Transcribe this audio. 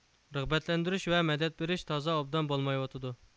رىغبەتلەندۈرۈش ۋە مەدەت بىرىش تازا ئوبدان بولمايۋاتىدۇ